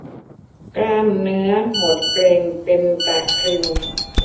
กล้ามเนื้อหดเกร็งเป็นตะคริว